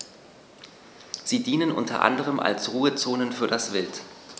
Sie dienen unter anderem als Ruhezonen für das Wild.